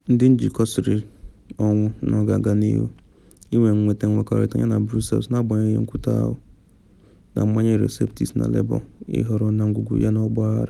Ndị njikọ siri ọnwụ na ọ ga-aga n’ihu ịnwa ịnweta nkwekọrịta yana Brussels na agbanyeghị nkwutọ ahụ - ma manye Eurosceptics na Labour ịhọrọ n’ime ngwungwu ya na ‘ọgbaghara’.